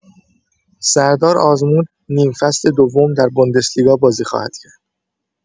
سردار آزمون نیم‌فصل دوم در بوندسلیگا بازی خواهد کرد.